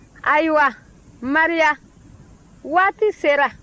ayiwa maria waati sera